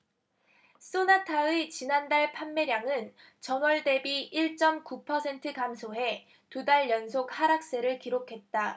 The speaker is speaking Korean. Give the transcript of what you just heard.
쏘나타의 지난달 판매량은 전월 대비 일 쩜 구 퍼센트 감소해 두 달 연속 하락세를 기록했다